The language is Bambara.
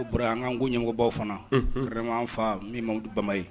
O b an' ko ɲɛmɔgɔbaw fana yɛrɛma an fa min ma bamaba ye